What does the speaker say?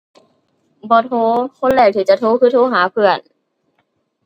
บ่โทร คนแรกที่จะโทรคือโทรหาเพื่อน